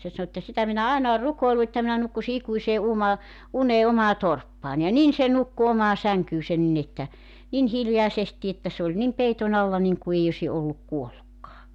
se sanoi että sitä minä aina olen rukoillut että minä nukkuisin ikuiseen - uneen omaan torppaan ja niin se nukkui omaan sänkyynsä niin että niin hiljaisesti että se oli niin peiton alla niin kuin ei olisi ollut kuollutkaan